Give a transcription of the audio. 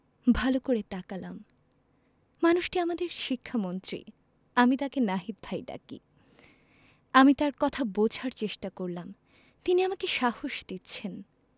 ভালো করে তাকালাম মানুষটি আমাদের শিক্ষামন্ত্রী আমি তাকে নাহিদ ভাই ডাকি আমি তার কথা বোঝার চেষ্টা করলাম তিনি আমাকে সাহস দিচ্ছেন